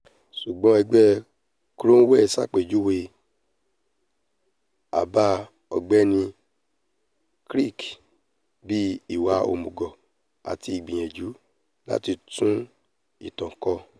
Ṣùgbọ́n Ẹgbẹ́ Cromwell ṣàpèjúwe àbà Ọ̀gbẹ́ni Crick bíi ''ìwà òmùgọ̀'' àti ''ìgbìyànjú láti tún ìtàn kọ.''